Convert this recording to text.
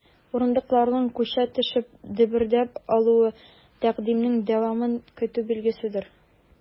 Урындыкларның, күчә төшеп, дөбердәп алуы— тәкъдимнең дәвамын көтү билгеседер.